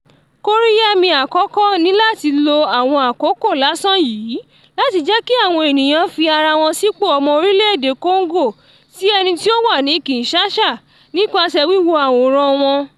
Kóríyá mi àkọ́kọ́ ni láti lo àwọn àkókò lásán yìí, láti jẹ́ kí àwọn ènìyàn fi ara wọ́n sípò ọmọ orílẹ̀ èdè Congo, ti ẹni tí ó wà ní Kinshasa, nípasẹ̀ wíwo àwòrán wọn.